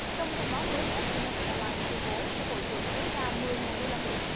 trong thông báo mới nhất du nai tịt e lai tuyên bố sẽ bồi thường tối đa mười ngàn đô la mỹ